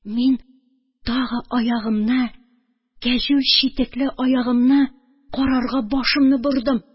Мин тагы аягымны, кәҗүл читекле аягымны карарга башымны бордым.